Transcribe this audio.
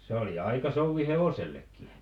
se oli aika souvi hevosellekin